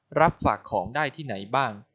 รับฝากของได้ที่ไหนบ้าง